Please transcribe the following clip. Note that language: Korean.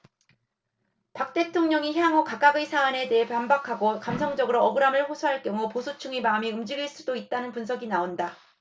박 대통령이 향후 각각의 사안에 대해 반박하고 감성적으로 억울함을 호소할 경우 보수층의 마음이 움직일 수도 있다는 분석이 나온다